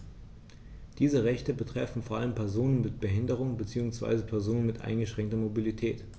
Diese Rechte betreffen vor allem Personen mit Behinderung beziehungsweise Personen mit eingeschränkter Mobilität.